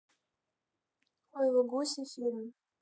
ой вы гуси фильм